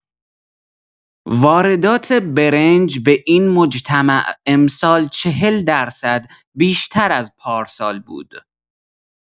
واردات برنج به این مجتمع امسال ۴۰ درصد بیشتر از پارسال بود.